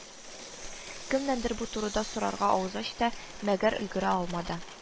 Кемнәндер бу турыда сорарга авыз ачты, мәгәр өлгерә алмады